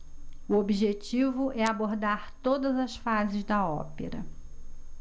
o objetivo é abordar todas as fases da ópera